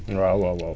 waaw waaw waaw